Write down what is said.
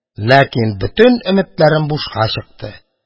Ләкин бөтен өметләрем бушка чыкты.